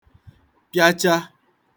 pịacha